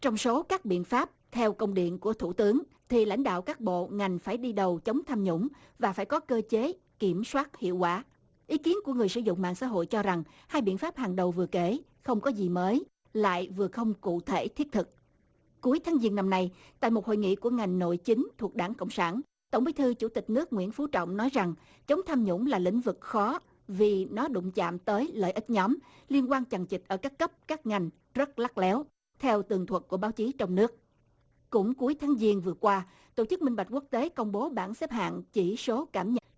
trong số các biện pháp theo công điện của thủ tướng thì lãnh đạo các bộ ngành phải đi đầu chống tham nhũng và phải có cơ chế kiểm soát hiệu quả ý kiến của người sử dụng mạng xã hội cho rằng hai biện pháp hàng đầu vừa kể không có gì mới lại vừa không cụ thể thiết thực cuối tháng giêng năm nay tại một hội nghị của ngành nội chính thuộc đảng cộng sản tổng bí thư chủ tịch nước nguyễn phú trọng nói rằng chống tham nhũng là lĩnh vực khó vì nó đụng chạm tới lợi ích nhóm liên quan chằng chịt ở các cấp các ngành rất lắt léo theo tường thuật của báo chí trong nước cũng cuối tháng giêng vừa qua tổ chức minh bạch quốc tế công bố bảng xếp hạng chỉ số cảm